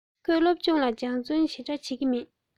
ཁོས སློབ སྦྱོང ལ སྦྱོང བརྩོན ཞེ དྲགས བྱེད ཀྱི མ རེད